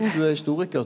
du er historikar.